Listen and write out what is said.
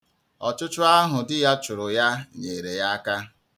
Ọchụchụ ahụ dị ya chụrụ ya nyere ya aka.